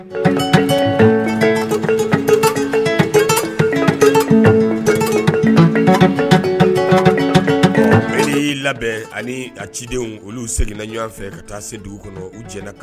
Beni i labɛn ani a cidenw olu seginna ɲɔɔn fɛ ka taa se dugu kɔnɔ u jɛna ka